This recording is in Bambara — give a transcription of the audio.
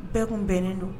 Bɛɛ kun bɛnnen don